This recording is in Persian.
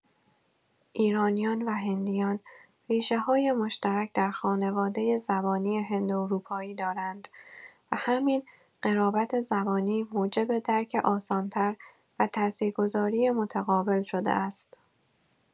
ایرانیان و هندیان ریشه‌های مشترک در خانواده زبانی هندواروپایی دارند و همین قرابت زبانی موجب درک آسان‌تر و تأثیرگذاری متقابل شده است.